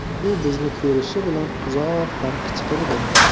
u bizni ko'rishi bilan uzoqdan qichqirdi